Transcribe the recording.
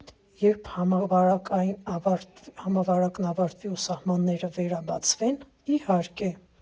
Երբ համավարակն ավարտվի ու սահմանները վերաբացվեն, իհարկե։